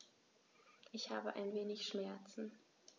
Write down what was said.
Ich habe ein wenig Schmerzen.